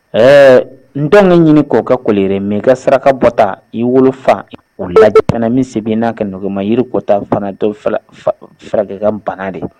Ɛɛ ntɔŋɛ ɲini k'o kɛ koliyiri ye mais i ka saraka bɔta i wolofa min se b'i ye n'a ka nɔgɔ i ma yiri kota fana dɔ fala fa furakɛ i ka nbana de ye